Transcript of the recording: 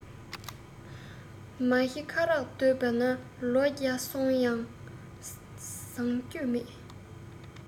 མ ཤེས ཁ རོག བསྡད པས ན ལོ བརྒྱ སོང ཡང བཟང བསྐྱེད མེད